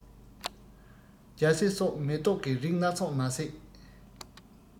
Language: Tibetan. རྒྱ སེ སོགས མེ ཏོག གི རིགས སྣ ཚོགས མ ཟད